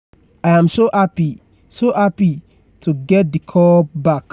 I am so happy, so happy to get the cup back.